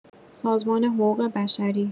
سازمان حقوق بشری